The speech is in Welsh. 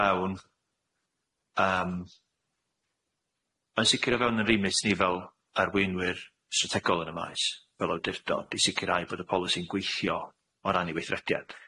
fewn yym yn sicir o fewn yn remit ni fel arweinwyr strategol yn y maes fel awdurdod i sicirhau fod y polisi'n gweithio o ran i weithrediad.